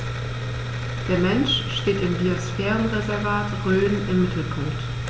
Der Mensch steht im Biosphärenreservat Rhön im Mittelpunkt.